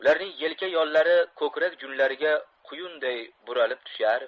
ularning yelka yollari ko'krak junlariga quyunday buralib tushar